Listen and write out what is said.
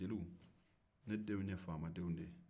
jeliw ne denw ye faama denw de ye